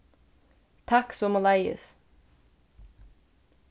takk somuleiðis